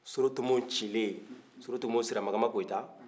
sorotomo cilen sorotomo siramakanba koyita